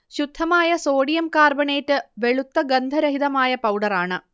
ശുദ്ധമായ sodium carbonate വെളുത്ത ഗന്ധരഹിതമായ പൗഡറാണ്